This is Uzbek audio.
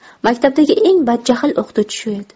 maktabdagi eng badjahl o'qituvchi shu edi